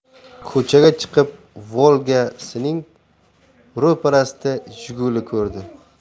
ko'chaga chiqib volga sining ro'parasida jiguli ko'rdi